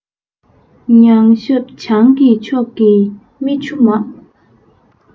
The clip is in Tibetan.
ཉང ཤབ བྱང གི ཕྱོགས ནི སྨྲེ མཆུ མང